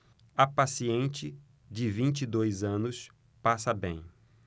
a paciente de vinte e dois anos passa bem